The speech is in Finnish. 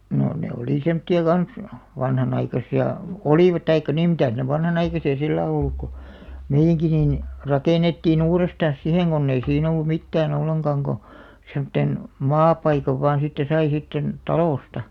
no ne oli semmoisia kanssa vanhanaikaisia kun olivat tai niin mitäs ne vanhanaikaisia sillä ollut kun meidänkin niin rakennettiin uudestaan siihen kun ei siinä ollut mitään ollenkaan kun semmoisen maapaikan vain sitten sai sitten talosta